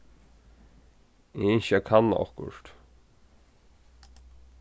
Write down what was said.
eg ynski at kanna okkurt